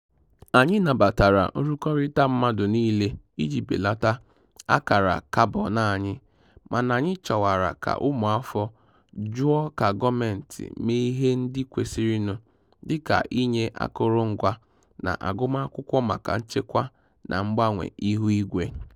Anyị nabatara nrụkọrịta mmadụ niile iji belata akara Kabọn anyị mana anyị chọkwara ka ụmụafọ jụọ ka gọọmentị mee ihe ndị kwesịrịnụ dịka ịnye akụrụngwa, na agụmakwụkwọ maka nchekwa na mgbanwe ihuigwe.